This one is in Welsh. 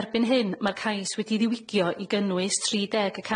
Erbyn hyn ma' cais wedi'i ddiwigio i gynnwys tri deg y